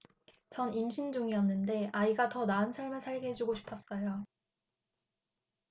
전 임신 중이었는데 아이가 더 나은 삶을 살게 해 주고 싶었어요